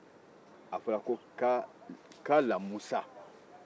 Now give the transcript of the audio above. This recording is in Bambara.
dɔnki a fɔra ko ka kalamusa